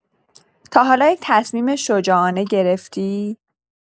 تا حالا یه تصمیم شجاعانه گرفتی؟